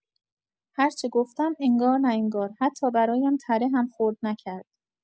هر چه گفتم، انگار نه انگار، حتی برایم تره هم خرد نکرد!